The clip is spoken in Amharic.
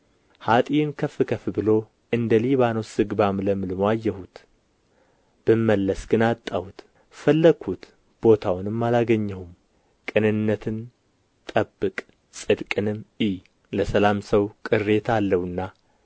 ኃጥአን ከፍ ከፍ ብሎ እንደ ሊባኖስ ዝግባም ለምልሞ አየሁት ብመለስ ግን አጣሁት ፈለግሁት ቦታውንም አላገኘሁም ቅንነትን ጠብቅ ጽድቅንም እይ ለሰላም ሰው ቅሬታ አለውና